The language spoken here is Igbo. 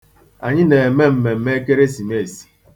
Anyị na-eme mmemme Ekeresimeesi.